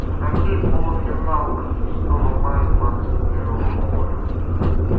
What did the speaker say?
хоккей полуфинал от шестого мая двадцать первого года